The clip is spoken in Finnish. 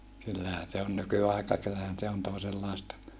kyllähän se on nykyaika kyllähän se on toisenlaista